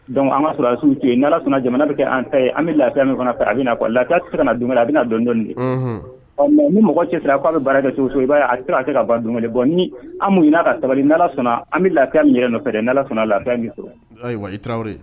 Dɔnku an ka sɔrɔsiw ci sɔnna jamana bɛ kɛ an ta ye an bɛ lafi min fana fɛ a bɛ na la se kana na don a bɛna na dɔndɔ kɛ ɔ ni mɔgɔ cɛ sera k'a bɛ baara kɛ so i' a sera a se ka ban dumuni bɔ ni an mun' ka sabali sɔnna an bɛ lafi min yɛrɛ nɔfɛ dɛ sɔnna lafi sɔrɔ